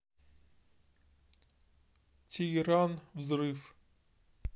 тегеран взрыв